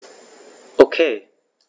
Okay.